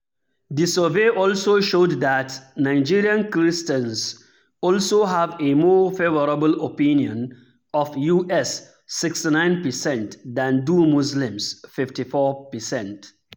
The survey also showed that Nigerian Christians also "have a more favorable opinion of the US (69 percent) than do Muslims (54 percent)".